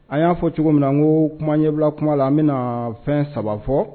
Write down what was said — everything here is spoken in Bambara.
A y'a fɔ cogo min na ko kuma ɲɛbila kuma la an bɛna na fɛn saba fɔ